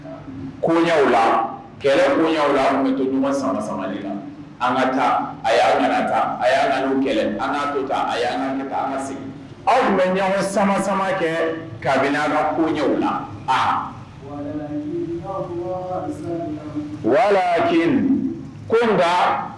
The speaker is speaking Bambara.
Ko la kɛlɛ la tun bɛ to ɲuman sama sama de la an ka taa y'ata a y'a an to taa y'a sigi aw tun bɛ ɲɔ sama sama kɛ kabini bɛna ka kunw la a walaki kotan